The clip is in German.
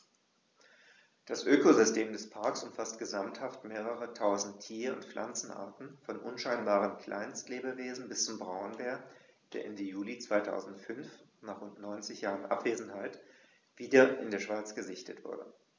Das Ökosystem des Parks umfasst gesamthaft mehrere tausend Tier- und Pflanzenarten, von unscheinbaren Kleinstlebewesen bis zum Braunbär, der Ende Juli 2005, nach rund 90 Jahren Abwesenheit, wieder in der Schweiz gesichtet wurde.